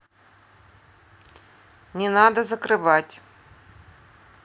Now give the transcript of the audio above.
не надо закрывать